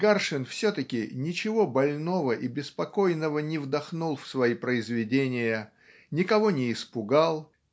Гаршин все-таки ничего больного и беспокойного не вдохнул в свои произведения никого не испугал